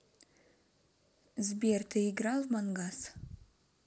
сбер ты играл в мангас